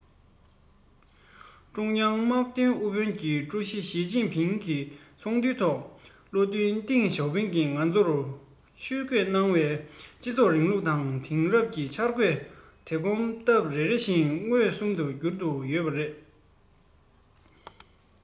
ཀྲུང དབྱང དམག དོན ཨུ ལྷན གྱི ཀྲུའུ ཞི ཞིས ཅིན ཕིང གིས ཚོགས འདུའི ཐོག བློ མཐུན ཏེང ཞའོ ཕིང གིས ང ཚོར ཇུས འགོད གནང བའི སྤྱི ཚོགས རིང ལུགས དེང རབས ཅན གྱི འཆར འགོད དེ གོམ སྟབས རེ རེ བཞིན མངོན སུམ དུ འགྱུར དུ ཡོད པ དང